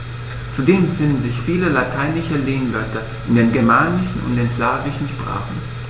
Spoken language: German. Zudem finden sich viele lateinische Lehnwörter in den germanischen und den slawischen Sprachen.